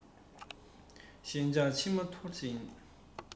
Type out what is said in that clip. ཞེན ཆགས མཆི མ འཐོར གྱིན